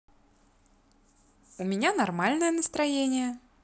у меня нормальное настроение